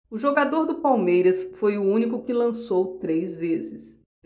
o jogador do palmeiras foi o único que lançou três vezes